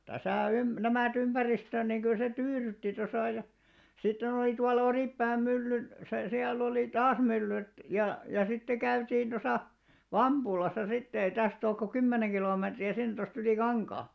tässä - nämä ympäristön niin kyllä se tyydytti tuossa ja sitten oli tuolla Oripään myllyn se siellä oli taas myllyt ja ja sitten käytiin tuossa Vampulassa sitten ei tästä ole kuin kymmenen kilometriä sinne tuosta yli kankaan